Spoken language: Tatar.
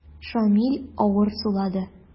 Шамил авыр сулады.